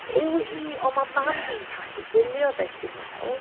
Yw hi? O mae mam... ie ...fi'n pallu gwylio fe ti'n weld.